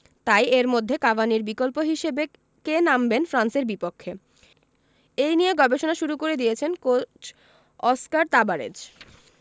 তাই এর মধ্যেই কাভানির বিকল্প হিসেবে কে নামবেন ফ্রান্সের বিপক্ষে এই নিয়ে গবেষণা শুরু করে দিয়েছেন কোচ অস্কার তাবারেজ